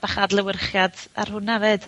bach o adlewyrchiad ar hwnna 'fyd.